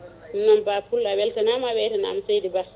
ɗum noon Ba poullo a weltanama a weytanama seydi Ba